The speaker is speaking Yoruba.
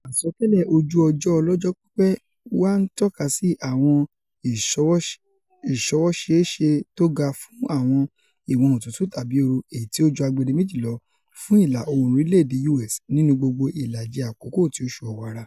Àsọtẹ́lẹ̀ ojú-ọjọ́ ọlọ́jọ́pípẹ́ wa ńtọ́kasí àwọ̀n ìṣọwọ́ṣeéṣe tóga fún àwọ̀n ìwọ̀n otútù tàbí ooru èyití ó ju agbedeméjì lọ fún ìlà-oòrùn orílẹ̀-èdè U.S. nínú gbogbo ìlàjí àkọ́kọ́ ti oṣù Ọ̀wàrà.